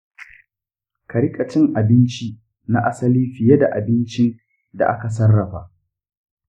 ka rika cin abinci na asali fiye da abincin da aka sarrafa.